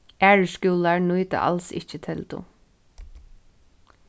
aðrir skúlar nýta als ikki teldu